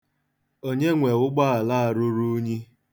Onye nwe ụgbaala a ruru unyi?